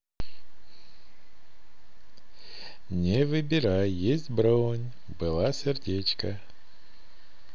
не выбирай есть бронь была сердечка